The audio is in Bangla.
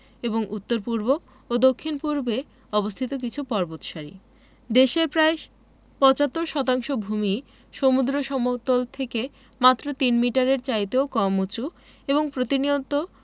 এবং উত্তর পূর্ব ও দক্ষিণ পূর্বে অবস্থিত কিছু পর্বতসারি দেশের প্রায় ৭৫ শতাংশ ভূমিই সমুদ্র সমতল থেকে মাত্র তিন মিটারের চাইতেও কম উঁচু এবং প্রতিনিয়ত